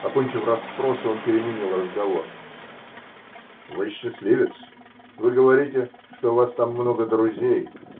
Окончив расспросы, он переменил разговор: -- Вы -- счастливец, вы говорите, что у вас там много друзей.